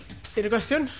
Unrhyw gwestiwn?